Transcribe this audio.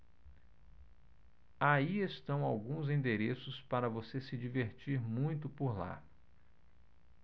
aí estão alguns endereços para você se divertir muito por lá